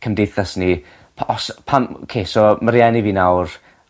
cymdeithas ni py- os yy pan oce so ma' rieni fi nawr